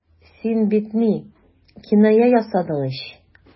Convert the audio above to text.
Син бит... ни... киная ясадың ич.